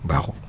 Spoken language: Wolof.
baaxul